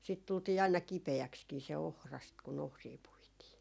siitä tultiin aina kipeäksikin se ohrasta kun ohria puitiin